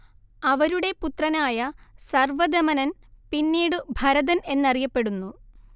അവരുടെ പുത്രനായ സർവദമനൻ പിന്നീടു ഭരതൻ എന്നറിയപ്പെടുന്നു